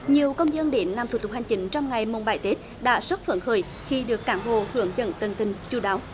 nhiều công dân đến làm thủ tục hành chính trong ngày mồng bảy tết đã rất phấn khởi khi được cán bộ hướng dẫn tận tình chu đáo